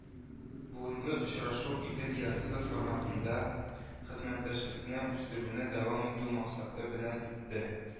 Бүгенге очрашу “Идел-Янцзы” форматында хезмәттәшлекне үстерүне дәвам итү максаты белән үтте